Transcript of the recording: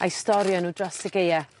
a'u storio n'w dros y Gaea.